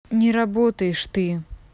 не работаешь ты